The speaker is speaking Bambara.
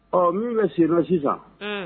Ɔ min bɛ senna sisan, un